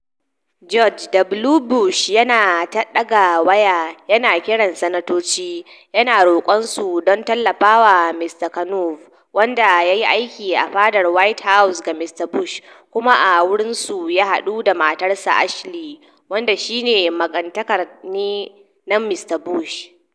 George W. Bush yana ta daga waya yana kiran Sanatoci, yana rokon su don tallafawa Mr Kavanaugh, wanda yayi aiki a fadar White House ga Mr Bush kuma ta wurinsa ya hadu da matarsa Ashley, wanda shi ne magatakarda na Mr Bush.